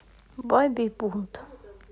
бабий бунт